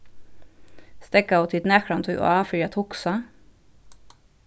steðgaðu tit nakrantíð á fyri at hugsa